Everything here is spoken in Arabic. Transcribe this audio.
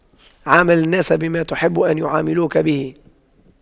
عامل الناس بما تحب أن يعاملوك به